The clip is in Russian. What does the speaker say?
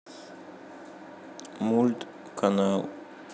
мульт канал